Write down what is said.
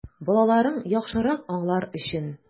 Балаларын яхшырак аңлар өчен!